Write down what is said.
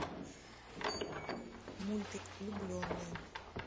мультик влюбленные